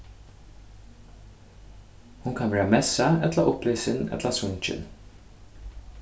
hon kann verða messað ella upplisin ella sungin